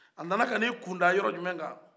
a nana kan'i kun da yɔrɔ jumɛn kan